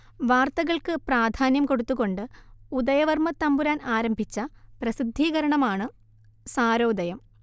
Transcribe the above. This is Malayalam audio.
വാർത്തകൾക്ക് പ്രാധാന്യം കൊടുത്തുകൊണ്ട് ഉദയവർമ്മത്തമ്പുരാൻ ആരംഭിച്ച പ്രസിദ്ധീകരണമാണ് സാരോദയം